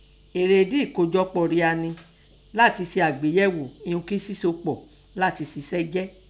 Èrèèdi ẹ̀kojọpọ ria nẹ lati se agbeyẹ̀o ihun kí sisoọ́pọ̀ lati sisẹ́ jẹ́.